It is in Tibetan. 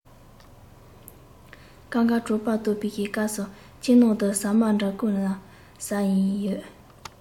སྐབས འགར གྲོད པ ལྟོགས པའི སྐབས སུ ཁྱིམ ནང དུ ཟ མ འདྲ བརྐུས ནས ཟ ཡི ཡོད